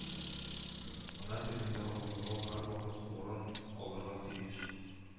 Ана телендә уйлау һәрвакыт урын алырга тиеш